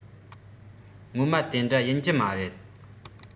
ངོ མ དེ འདྲ ཡིན གྱི མ རེད